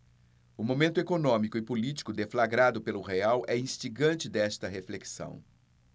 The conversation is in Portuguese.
o momento econômico e político deflagrado pelo real é instigante desta reflexão